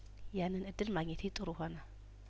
ያንን እድል ማግኘቴ ጥሩ ሆነ